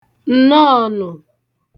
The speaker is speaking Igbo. Nnọọnụ!